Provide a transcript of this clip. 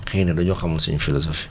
xëy na dañoo xamul suñ philosophie